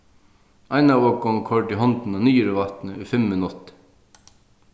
ein av okkum koyrdi hondina niður í vatnið í fimm minuttir